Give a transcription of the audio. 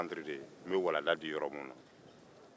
tanba ye santiri de ye an bɛ walanda di yɔrɔ minnu na